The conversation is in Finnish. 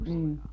mm